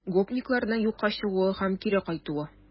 Гопникларның юкка чыгуы һәм кире кайтуы